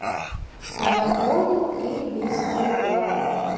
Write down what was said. я понял и без тебя